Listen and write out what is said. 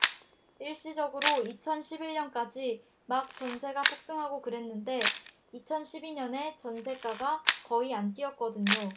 일시적으로 이천 십 일 년까지 막 전세가 폭등하고 그랬는데 이천 십 이 년에 전세가가 거의 안 뛰었거든요